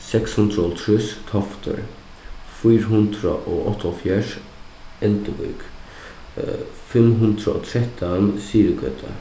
seks hundrað og hálvtrýss toftir fýra hundrað og áttaoghálvfjerðs elduvík fimm hundrað og trettan syðrugøta